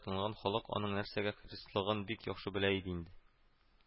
Расланган халык аның нәрсәгә хирыслыгын бик яхшы белә иде инде